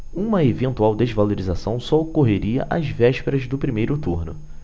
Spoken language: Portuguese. uma eventual desvalorização só ocorreria às vésperas do primeiro turno